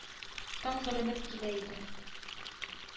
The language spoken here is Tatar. Таң беленеп килә иде